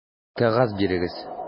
Кәгазь бирегез!